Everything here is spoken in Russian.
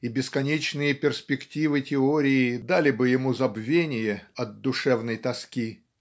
и бесконечные перспективы теории дали бы ему забвение от душевной тоски.